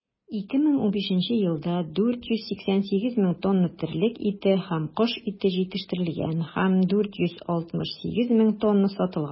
2015 елда 488 мең тонна терлек ите һәм кош ите җитештерелгән һәм 468 мең тонна сатылган.